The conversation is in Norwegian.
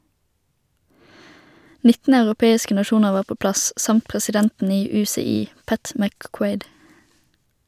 19 europeiske nasjoner var på plass, samt presidenten i UCI, Pat McQuaid.